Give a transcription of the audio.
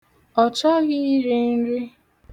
Ọ chọghị iri nri.